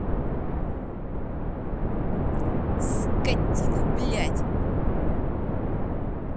скотина блядь